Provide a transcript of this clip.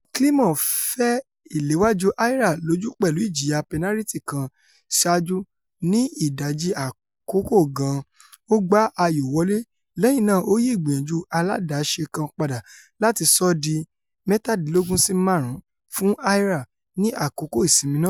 Climo fẹ ìléwájú Ayr lójú pẹ̀lú ìjìyà pẹnariti kan, saájú, ní ìdajì àkókò gan-an, ó gbá ayò wọlé lẹ́yìn náà ó yí ìgbìyànjú aláàdáṣe kan padà láti sọ ọ́ di 17-5 fún Ayr ní àkókò ìsinmi náà.